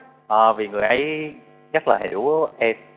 à vì người ấy rất là hiểu em